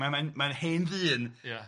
Mae'n mae'n mae'n hen ddyn... Ia.